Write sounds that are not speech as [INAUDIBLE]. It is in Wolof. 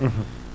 [HESITATION] [HESITATION]